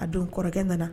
A don kɔrɔkɛ nana na